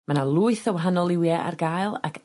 Ma' 'na lwyth o wahanol lywie ar gael ac